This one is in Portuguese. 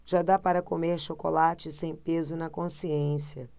já dá para comer chocolate sem peso na consciência